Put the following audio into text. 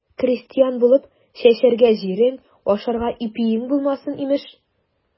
Крестьян булып, чәчәргә җирең, ашарга ипиең булмасын, имеш.